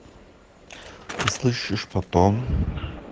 ты слышишь потом